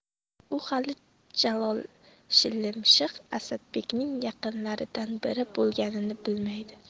u hali jalolshilimshiq asadbekning yaqinlaridan biri bo'lganini bilmaydi